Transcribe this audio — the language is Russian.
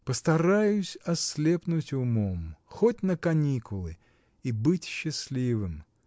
— Постараюсь ослепнуть умом, хоть на каникулы, и быть счастливым!